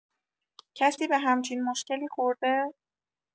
کسی به همچین مشکلی خورده؟